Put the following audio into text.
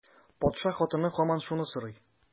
Патша хатыны һаман шуны сорый.